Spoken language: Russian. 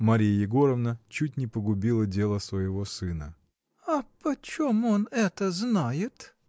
Марья Егоровна чуть не погубила дело своего сына. — А почем он это знает?